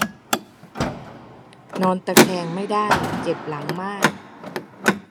นอนตะแคงไม่ได้เจ็บหลังมาก